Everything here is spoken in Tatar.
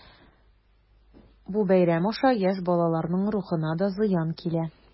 Бу бәйрәм аша яшь балаларның рухына да зыян килә.